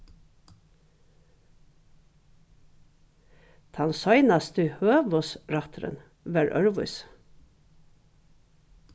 tann seinasti høvuðsrætturin var øðrvísi